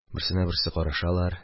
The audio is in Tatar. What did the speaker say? Берсенә берсе карашалар